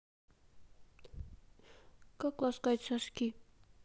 как ласкать соски